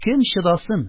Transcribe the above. Кем чыдасын!